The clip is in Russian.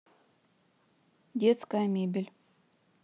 детская мебель